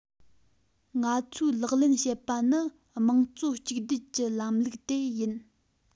ང ཚོས ལག ལེན བྱེད པ ནི དམངས གཙོ གཅིག སྡུད ཀྱི ལམ ལུགས དེ ཡིན